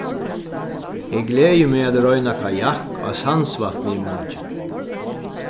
eg gleði meg at royna kajakk á sandsvatni í morgin